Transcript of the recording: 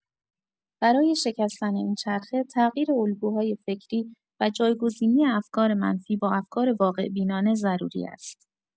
برای شکستن این چرخه، تغییر الگوهای فکری و جایگزینی افکار منفی با افکار واقع‌بینانه ضروری است.